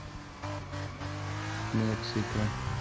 мексика